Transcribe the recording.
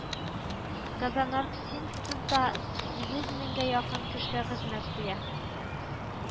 Казаноргсинтез да сигез меңгә якын кеше хезмәт куя